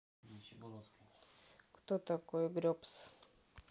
кто такой grebz